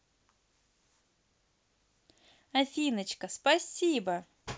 афиночка спасибо